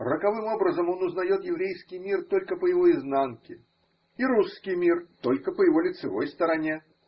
Роковым образом он узнает еврейский мир только по его изнанке – и русский мир только по его лицевой стороне.